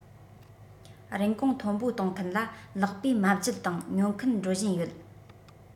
རིན གོང མཐོན པོ གཏོང མཁན ལ ལེགས པས མ བརྗེད དང ཉོ མཁན འགྲོ བཞིན ཡོད